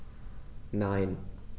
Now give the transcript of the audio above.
Nein.